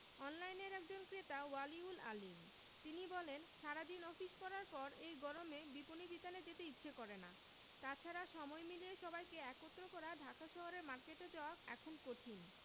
অনলাইনের একজন ক্রেতা ওয়ালি উল আলীম তিনি বলেন সারা দিন অফিস করার পর এই গরমে বিপণিবিতানে যেতে ইচ্ছে করে না তা ছাড়া সময় মিলিয়ে সবাইকে একত্র করা ঢাকা শহরের মার্কেটে যাওয়া এখন কঠিন